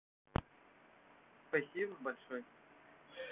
спасибо большой